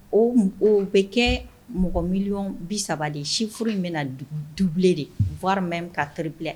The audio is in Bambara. O o bɛ kɛ mɔgɔ miliɔn bi saba de sif furu in bɛna na duele de waramɛ ka to bila